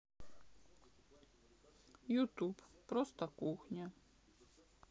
ютуб просто кухня